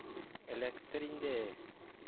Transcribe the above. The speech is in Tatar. Эләктер инде!